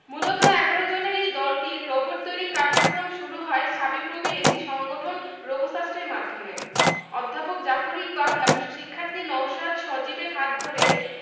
মূলত ১১ জনের এই দলটির রোবট তৈরির কার্যক্রম শুরু হয় শাবিপ্রবির একটি সংগঠন রোবোসাস্টের মাধ্যমে অধ্যাপক জাফর ইকবাল ও শিক্ষার্থী নওশাদ সজীবের হাত ধরে